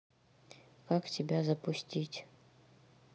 как тебя запустить